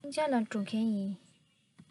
ཤིན ཅང ལ འགྲོ མཁན ཡིན